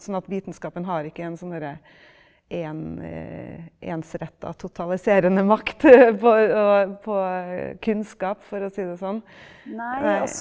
sånn at vitenskapen har ikke en sånn derre ensretta, totaliserende makt på å på kunnskap, for å si det sånn nei.